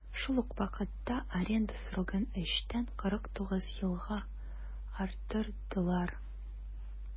Шул ук вакытта аренда срогын 3 тән 49 елга арттырдылар.